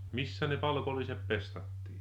missä ne palkolliset pestattiin